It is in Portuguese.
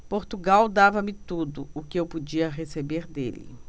portugal dava-me tudo o que eu podia receber dele